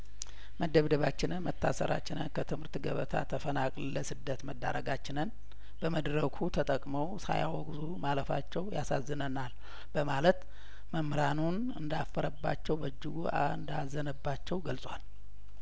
መደብደባችንን መታሰራችንን ከትምህርት ገበታ ተፈናቅለን ለስደት መዳረጋችንን በመድረኩ ተጠቅመው ሳያወግዙ ማለፋቸው ያሳዝነናል በማለት መምህራኑን እንዳፈረባቸው በእጅጉ አእንዳዘነባቸው ገልጿል